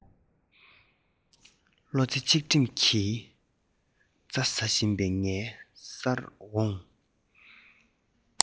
བློ རྩེ གཅིག སྒྲིམ གྱིས རྩྭ ཟ བཞིན ངའི སར འོང